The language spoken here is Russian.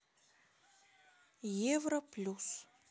евро плюс